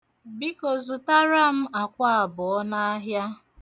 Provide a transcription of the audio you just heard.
Biko zụtara m akwa abụo n'ahịa.